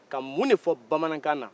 ka mun de fɔ bamanankan na